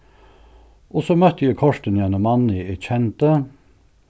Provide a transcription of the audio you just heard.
og so møtti eg kortini einum manni eg kendi